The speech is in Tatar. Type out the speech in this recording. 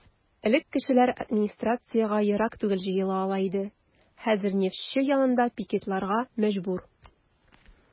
Элек кешеләр администрациягә ерак түгел җыела ала иде, хәзер "Нефтьче" янында пикетларга мәҗбүр.